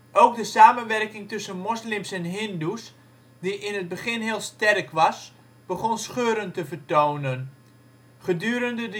Ook de samenwerking tussen moslims en hindoes, die in het begin heel sterk was, begon scheuren te vertonen. Gedurende